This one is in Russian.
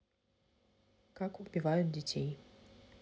как убивают детей